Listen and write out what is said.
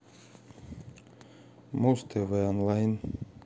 муз тв онлайн